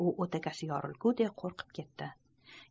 u o'takasi yorilguday qo'rqib ketdi